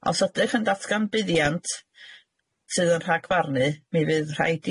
Os ydych yn datgan buddiant sydd yn rhagfarnu mi fydd rhaid